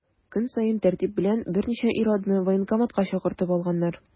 Көн саен тәртип белән берничә ир-атны военкоматка чакыртып алганнар.